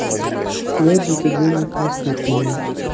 гаджеты делают нас глупее